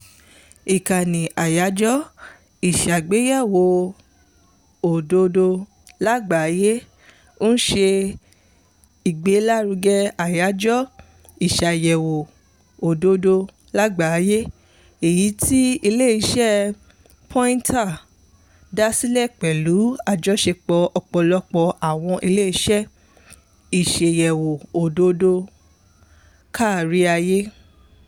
Ìkànnì Àyájọ̀ Ìṣàyẹ̀wò Òdodo Lágbàáyé ń ṣe ìgbélárugẹ Àyájọ̀ Ìṣàyẹ̀wò Òdodo Lágbàáyé, èyí tí ilé iṣẹ́ Poynter dásílẹ̀ pẹ̀lú àjọṣepọ̀ ọ̀pọ̀lọpọ̀ àwọn ilé iṣẹ́ ìṣàyẹ̀wò òdodo káríayé.